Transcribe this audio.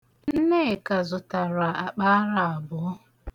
Nneka zụtara akpaara abụọ.